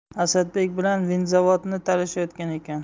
asadbek bilan vinzavodni talashishayotgan ekan